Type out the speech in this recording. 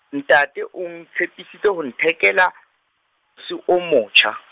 ntate o tshepisitse ho nthekela se o motjha.